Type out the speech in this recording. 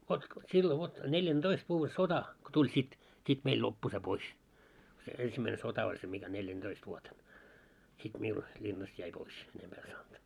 vot silloin vot neljäntoista vuoden sota kun tuli sitten sitten meillä loppui se pois se ensimmäinen sota oli se mikä neljänätoista vuotena sitten minulla linnasta jäi pois enempää en saanut